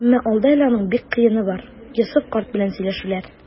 Әмма алда әле аның бик кыены бар - Йосыф карт белән сөйләшүләр.